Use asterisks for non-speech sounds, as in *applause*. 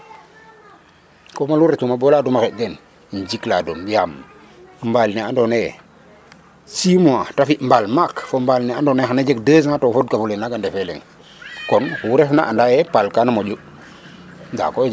a koma lu retuma bo laduma xeƴ teen rek im jik ladum yaam mbaal ne ando naye 6 mois te fi mbaal maak fo mbal ne ando naye xana jeg 2 ans to fod ka fule naga ndefe leŋ *noise* kon oxu ref na anda ye paal kana moƴu nda koy